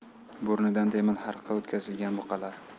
burnidan temir halqa o'tkazilgan buqalar